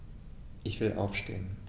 Ich will aufstehen.